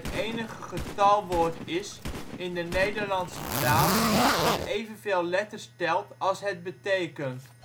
enige getalwoord is in de Nederlandse taal dat evenveel letters telt ' als het betekent